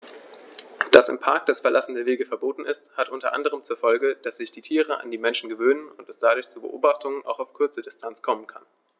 Dass im Park das Verlassen der Wege verboten ist, hat unter anderem zur Folge, dass sich die Tiere an die Menschen gewöhnen und es dadurch zu Beobachtungen auch auf kurze Distanz kommen kann.